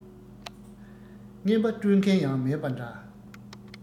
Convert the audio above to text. རྔན པ སྤྲོད མཁན ཡང མེད པ འདྲ